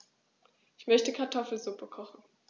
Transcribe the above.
Ich möchte Kartoffelsuppe kochen.